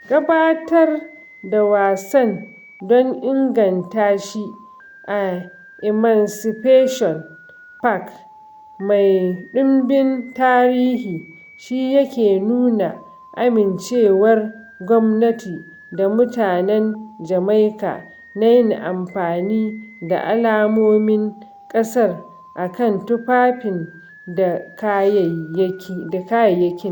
Gabatar da wasan don inganta shi a Emancipation Park mai ɗumbin tarihi shi yake nuna amincewar gwamnati da mutanen Jamaika na yin amfani da alamomin ƙasar a kan tufafin da kayayyakin.